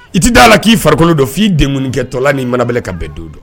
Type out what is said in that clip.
I t tɛ d' a la k'i farikolo dɔ f'i deng kɛ tɔla ni manab ka bɛn don don